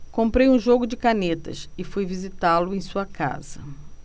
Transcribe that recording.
comprei um jogo de canetas e fui visitá-lo em sua casa